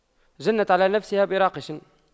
جنت على نفسها براقش